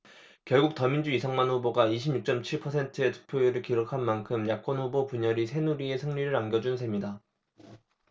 결국 더민주 이성만 후보가 이십 육 쩜 칠 퍼센트의 득표율을 기록한 만큼 야권 후보 분열이 새누리에 승리를 안겨준 셈이다